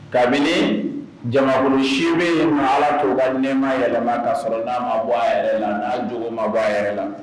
Kabini jamakulu 8 in ma Ala to ka nɛma yɛlɛ ka sɔrɔ na ma bɔ a yɛrɛ la na gogo ma bɔ a yɛrɛ la